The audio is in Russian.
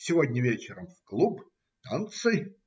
- Сегодня вечером в клуб. танцы.